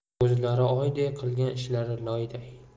o'zlari oyday qilgan ishlari loyday